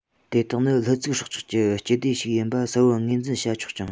དེ དག ནི ལྷུ ཚིགས སྲོག ཆགས ཀྱི སྤྱི སྡེ ཞིག ཡིན པ གསལ བོར ངོས འཛིན བྱ ཆོག ཅིང